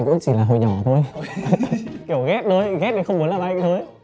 lúc chỉ là hồi nhỏ thôi kiểu ghét thôi ghét không muốn làm anh thôi